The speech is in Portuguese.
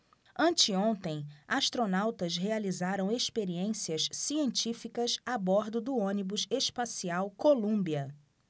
anteontem astronautas realizaram experiências científicas a bordo do ônibus espacial columbia